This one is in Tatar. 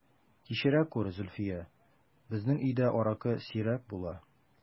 Кичерә күр, Зөлфия, безнең өйдә аракы сирәк була...